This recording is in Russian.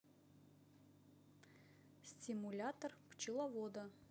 симулятор пчеловода